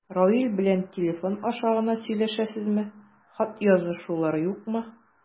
Равил белән телефон аша гына сөйләшәсезме, хат язышулар юкмы?